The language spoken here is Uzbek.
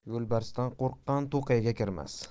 yoibarsdan qo'rqqan to'qayga kirmas